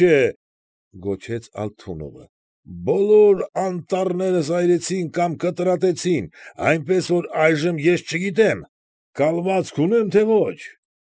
Չէ,֊ գոչեց Ալթունովը,֊ բոլոր անտառներս այրեցին կամ կտրատեցին, այնպես որ այժմ ես չգիտեմ՝ կալվածք ունեմ, թե՞ ոչ։